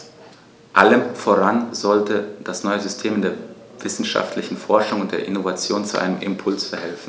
Allem voran sollte das neue System der wissenschaftlichen Forschung und der Innovation zu einem Impuls verhelfen.